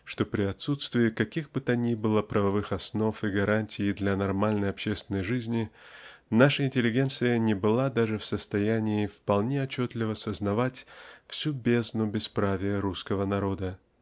что при отсутствии каких бы то ни было правовых основ и гарантий для нормальной общественной жизни наша интеллигенция не была даже в состоянии вполне отчетливо сознавать всю бездну бесправия русского народа.